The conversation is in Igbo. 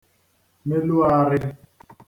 melụ ārị̄